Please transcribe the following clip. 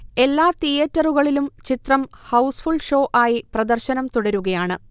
എല്ലാ തീയറ്ററുകളിലും ചിത്രം ഹൗസ് ഫുൾ ഷോ ആയി പ്രദർശനം തുടരുകയാണ്